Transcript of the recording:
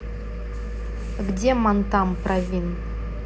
где мантам провин